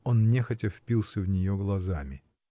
Он нехотя впился в нее глазами.